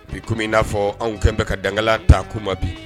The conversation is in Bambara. Bi komi in n'a fɔ anw kɛlen bɛ ka dan ta kuma ma bi